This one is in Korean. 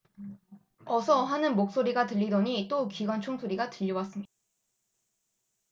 어서 하는 목소리가 들리더니 또 기관총 소리가 들려왔습니다